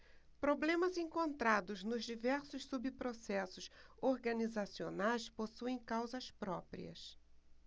problemas encontrados nos diversos subprocessos organizacionais possuem causas próprias